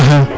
axa